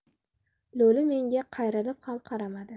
lo'li menga qayrilib ham qaramadi